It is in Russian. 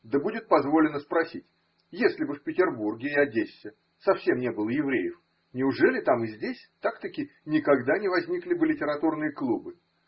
Да будет позволено спросить: если бы в Петербурге и Одессе совсем не было евреев, неужели там и здесь так-таки никогда не возникли бы литературные клубы?